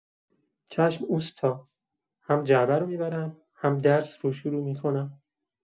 چشم اوستا، هم جعبه رو می‌برم، هم درس رو شروع می‌کنم.